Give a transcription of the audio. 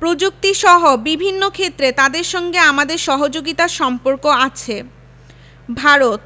প্রযুক্তিসহ বিভিন্ন ক্ষেত্রে তাদের সঙ্গে আমাদের সহযোগিতার সম্পর্ক আছে ভারতঃ